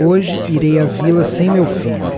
hoje irei à vila sem meu filho